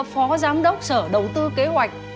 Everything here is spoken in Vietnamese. phó giám đốc sở đầu tư kế hoạch